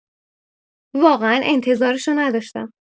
واقعا انتظارشو نداشتم.